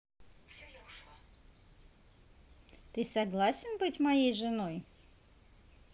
ты согласен быть моей женой